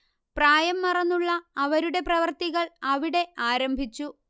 പ്രായം മറന്നുള്ള അവരുടെ പ്രവർത്തികൾ അവിടെ ആരംഭിച്ചു